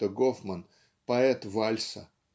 что Гофман -- поэт вальса